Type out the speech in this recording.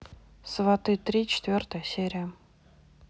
сваты три четвертая серия